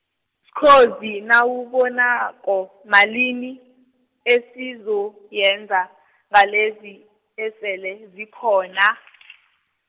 sikhozi nawubonako, malini, esizoyenza, ngalezi, esele, zikhona.